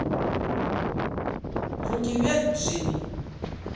руки вверх джимми